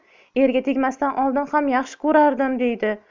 erga tegmasidan oldin ham yaxshi ko'rardim deydi